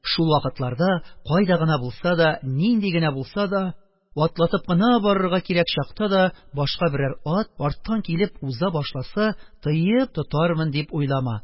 Шул вакытларда кайда гына булса да, нинди генә булса да, атлатып кына барырга кирәк чакта да, башка берәр ат, арттан килеп, уза башласа, тыеп тотармын дип уйлама,